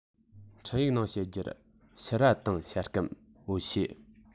འཕྲིན ཡིག ནང བཤད རྒྱུར ཕྱུར ར དང ཤ སྐམ འོ ཕྱེ